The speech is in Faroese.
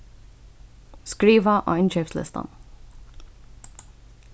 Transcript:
skriva á innkeypslistan